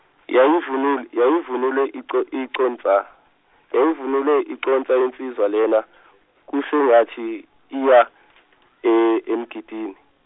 yaivun- yayivunule icon- iconsa, yayivunule iconsa le nsizwa lena, kusengathi iya e- emgidini.